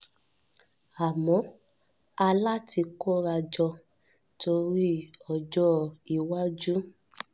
Àmọ́ a láti kórajọ torí ọjọ́-iwájú.”